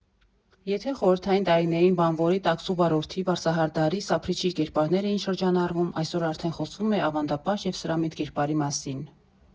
Եթե խորհրդային տարիներին բանվորի, տաքսու վարորդի, վարսահարդարի, սափրիչի կերպարներ էին շրջանառվում, այսօր արդեն խոսվում է ավանդապաշտ և սրամիտ կերպարի մասին։